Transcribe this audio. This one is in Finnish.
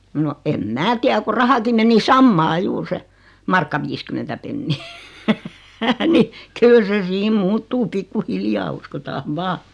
no en minä tiedä kun rahakin meni samaa juuri se markka viisikymmentä penniä niin kyllä se siinä muuttuu pikkuhiljaa uskotaan vain